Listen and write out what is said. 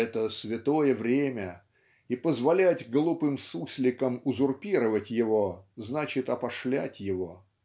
это святое время, и позволять глупым сусликам узурпировать его значит опошлять его".